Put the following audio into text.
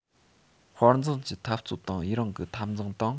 དཔའ མཛངས ཀྱི འཐབ རྩོད དང ཡུན རིང གི འཐབ འཛིང དང